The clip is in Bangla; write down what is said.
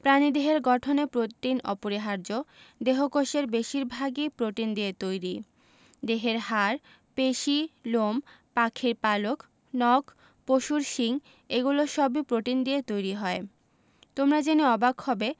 প্রাণীদেহের গঠনে প্রোটিন অপরিহার্য দেহকোষের বেশির ভাগই প্রোটিন দিয়ে তৈরি দেহের হাড় পেশি লোম পাখির পালক নখ পশুর শিং এগুলো সবই প্রোটিন দিয়ে তৈরি হয় তোমরা জেনে অবাক হবে